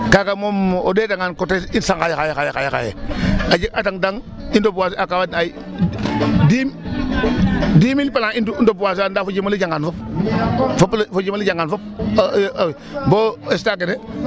Kaaga moom o ɗeetangan coté xaye xaye a jega a tang daal i reboiser a ka farna ay dix xix mille plantes i reboiser an ndaa fo jem ole jangan fop fop fo jemole jangan fop bo instant kene.